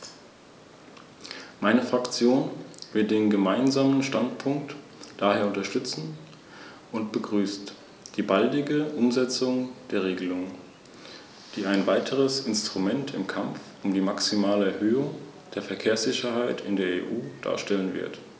Es gibt einige, die glauben, dass Ziele in Europa allein deswegen erreicht werden, weil sie in diesem Haus gesetzt werden.